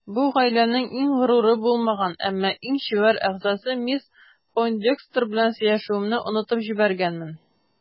Бу гаиләнең иң горуры булмаган, әмма иң чибәр әгъзасы мисс Пойндекстер белән сөйләшүемне онытып җибәргәнмен.